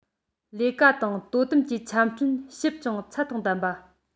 ལས ཀ དང དོ དམ གྱི ཆ འཕྲིན ཞིབ ཅིང ཚད དང ལྡན པ